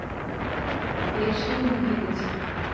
вечный двигатель